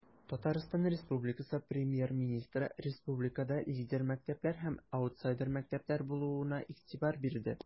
ТР Премьер-министры республикада лидер мәктәпләр һәм аутсайдер мәктәпләр булуына игътибар бирде.